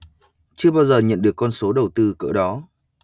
chưa bao giờ nhận được con số đầu tư cỡ đó